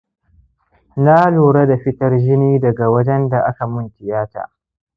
na lura da fitar jini daga wajen da akamun tiyata